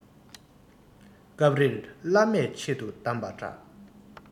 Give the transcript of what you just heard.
སྐབས རེར བླ མས ཆེད དུ གདམས པ འདྲ